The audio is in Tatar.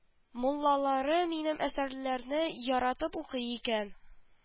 Муллалары минем әсәрләрне яратып укый икән